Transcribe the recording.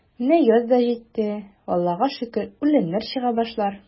Менә яз да житте, Аллага шөкер, үләннәр чыга башлар.